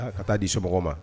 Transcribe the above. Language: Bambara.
Ka taaa di so ma